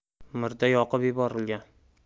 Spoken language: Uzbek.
murda yoqib yuborilgan